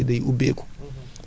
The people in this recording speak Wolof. reen i suuf dañu noyyi